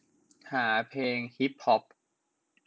หาเพลงฮิปฮอป